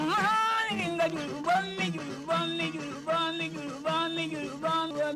Wa kun kun ba ba b